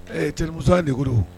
Ɛɛ cɛ mu de ko don